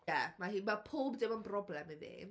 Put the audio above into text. Ie, mae hi... Mae pob dim yn broblem iddi.